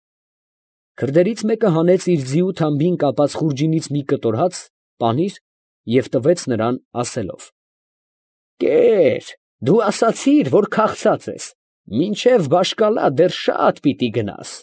Քրդերից մեկը հանեց իր ձիու թամբին կապած խուրջինից մի կտոր հաց և պանիր, տվեց նրան ասելով. ֊ Կե՛ր, դու ասացիր, որ քաղցած ես, մինչև Բաշ֊Կալա դեռ շատ պիտի գնաս։